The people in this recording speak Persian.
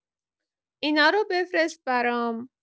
اینا رو بفرست برام.